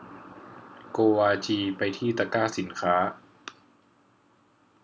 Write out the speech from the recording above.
โกวาจีไปที่ตะกร้าสินค้า